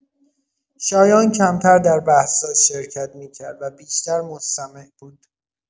شایان کمتر در بحث‌ها شرکت می‌کرد و بیشتر مستمع بود.